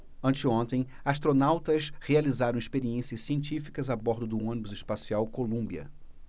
anteontem astronautas realizaram experiências científicas a bordo do ônibus espacial columbia